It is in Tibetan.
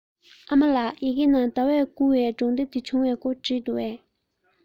ཨ མ ལགས ཡི གེ ནང ཟླ བསྐུར བའི སྒྲུང དེབ དེ འབྱོར བའི སྐོར བྲིས འདུག གས